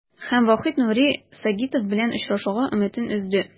Һәм Вахит Нури Сагитов белән очрашуга өметен өзде.